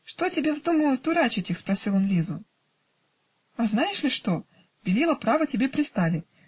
"Что тебе вздумалось дурачить их? -- спросил он Лизу. -- А знаешь ли что? Белилы, право, тебе пристали